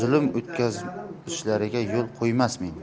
zulm o'tkazishlariga yo'l qo'ymasmen